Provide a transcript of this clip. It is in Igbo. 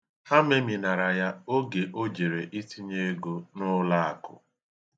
Ha meninara ya oge o jere itinye ego n'ụlaakụ.